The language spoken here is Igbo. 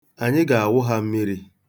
Anyị ga-awụ ha mmiri.